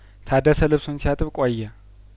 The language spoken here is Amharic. ታደሰ ልብሱን ሲያጥብ ቆየ